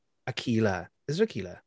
Aquila. Is there Aquila?